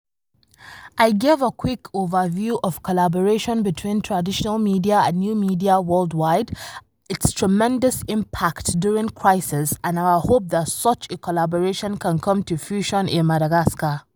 I gave a quick overview of collaboration between traditional media and new media worldwide, its tremendous impact during crises and our hope that such a collaboration can come to fruition in Madagascar.